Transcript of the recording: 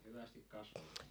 ja hyvästi kasvoivat